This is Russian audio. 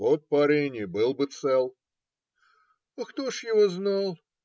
- Вот парень и был бы цел. - Кто ж его знал!